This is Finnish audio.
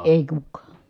ei kukaan